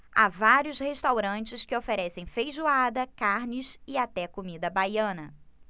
há vários restaurantes que oferecem feijoada carnes e até comida baiana